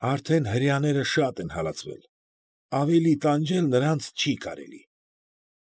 Արդեն հրեաները շատ են հալածվել, ավելի տանջել նրանց չի կարելի։